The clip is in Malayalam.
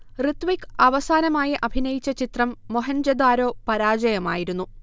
ഋത്വിക്ക് അവസാനമായി അഭിനയിച്ച ചിത്രം മോഹൻ ജൊദാരോ പരാജയമായിരുന്നു